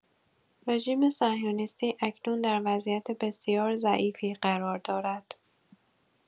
رژیم صهیونیستی اکنون در وضعیت بسیار ضعیفی قرار دارد.